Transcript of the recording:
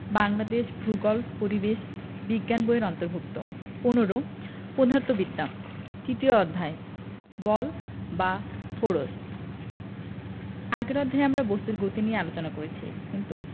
বাংলাদেশ ভূগোল পরিবেশ বিজ্ঞান বই এর অন্তর্ভুক্ত ১৫ পদার্থবিদ্যা তৃতীয় অধ্যায় বল বা ফোরস আগের অধ্যায়ে আমরা বস্তুর গতি নিয়ে আলোচনা করেছি কিন্তু